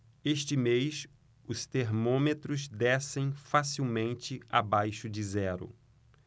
este mês os termômetros descem facilmente abaixo de zero